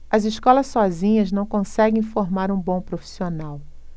as escolas sozinhas não conseguem formar um bom profissional